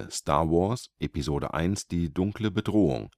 Star Wars - Episode 1: Die dunkle Bedrohung